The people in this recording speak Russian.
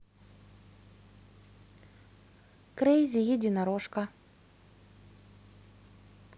крейзи единорожка